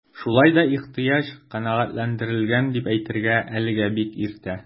Шулай да ихтыяҗ канәгатьләндерелгән дип әйтергә әлегә бик иртә.